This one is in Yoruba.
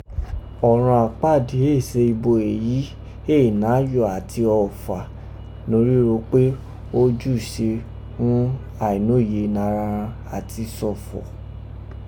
Ọ̀rọn àpáàdì éè si ibo èyí éè nayọ̀ àti òòfà norígho pé ó júù se ghún ainoye nara ghan ati sọ̀fọ̀.